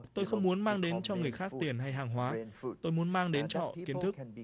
tôi không muốn mang đến cho người khác tiền hay hàng hóa tôi muốn mang đến cho họ kiến thức